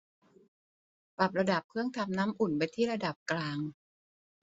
ปรับระดับเครื่องทำน้ำอุ่นไปที่ระดับกลาง